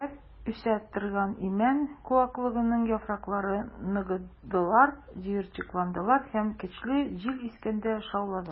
Үрмәләп үсә торган имән куаклыгының яфраклары ныгыдылар, җыерчыкландылар һәм көчле җил искәндә шауладылар.